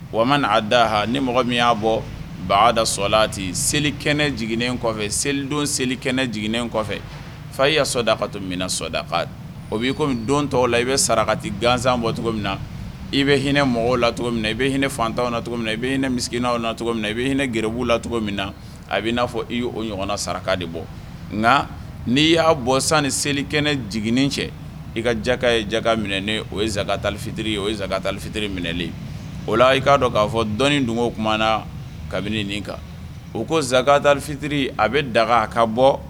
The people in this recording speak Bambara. Wa ma' daha ni mɔgɔ min y'a bɔ bada sɔ selikɛnɛ jignen selidon selikɛnɛ jignen fa i ka soda toda oi don tɔw la i bɛ sarakati gansan bɔ cogo min i bɛ hinɛinɛ mɔgɔ la cogo i bɛ hinɛ fantan cogo min i bɛ hinɛ neina na cogo min na i bɛ hinɛ gɛrɛbu la cogo min na a' n'a fɔ i o ɲɔgɔnna saraka de bɔ nka ni y'a bɔ san ni selikɛnɛ jigini cɛ i ka jaka ye jaka minɛen o yekalifitiri ye o ye zanka talifitiri minɛen o la i k'a dɔn k'a fɔ dɔn don o tuma na kabini ɲini kan o ko zanka tarifitiri a bɛ daga ka bɔ